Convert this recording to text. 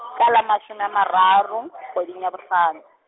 ka la mashome a mararo, kgweding ya bohlano.